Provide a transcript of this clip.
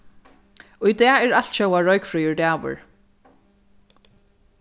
í dag er altjóða roykfríur dagur